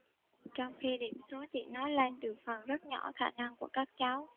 trong khi điểm số chỉ nói lên được phần rất nhỏ khả năng của các cháu